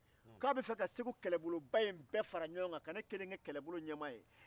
k'a b'a fɛ ka segu kɛlɛboloba in bɛɛ fara ɲɔgɔn kan ka ne kɛ o ɲɛmaa